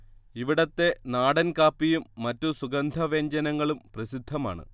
ഇവിടത്തെ നാടൻ കാപ്പിയും മറ്റു സുഗന്ധവ്യഞ്ജനങ്ങളും പ്രസിദ്ധമാണ്